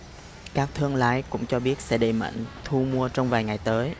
các thương lái cũng cho biết sẽ đẩy mạnh thu mua trong vài ngày tới